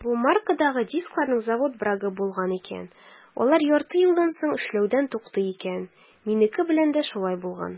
Бу маркадагы дискларның завод брагы булган икән - алар ярты елдан соң эшләүдән туктый икән; минеке белән дә шулай булган.